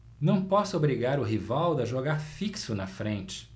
não posso obrigar o rivaldo a jogar fixo na frente